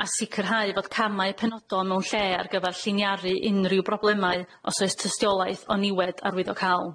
a sicrhau fod camau penodol mewn lle ar gyfar lliniaru unrhyw broblemau os oes tystiolaeth o niwed arwyddo cal.